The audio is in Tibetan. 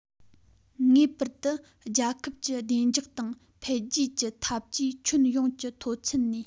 ངེས པར དུ རྒྱལ ཁབ ཀྱི བདེ འཇགས དང འཕེལ རྒྱས ཀྱི འཐབ ཇུས ཁྱོན ཡོངས ཀྱི མཐོ ཚད ནས